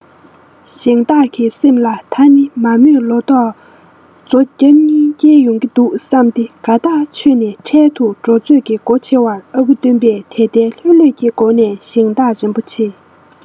ཞིང བདག གི སེམས ལ ད ནི མ རྨོས ལོ ཏོག མཛོ རྒྱབ གཉིས སྐྱེལ ཡོང མི འདུག བསམས ཏེ དགའ ཐག ཆོད ནས འཕྲལ དུ འབྲུ མཛོད ཀྱི སྒོ ཕྱེ བར ཨ ཁུ སྟོན པས དལ དལ ལྷོད ལྷོད ཀི སྒོ ནས ཞིང བདག རིན པོ ཆེ